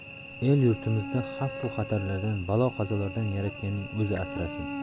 el yurtimizni xavfu xatarlardan balo qazolardan yaratganning o'zi asrasin